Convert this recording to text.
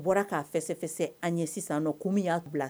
Bɔra k'a fɛsɛfɛsɛ an ɲɛ sisan kɔmi y'a bila